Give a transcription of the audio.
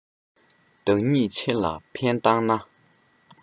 བདག ཉིད ཆེ ལ ཕན བཏགས ན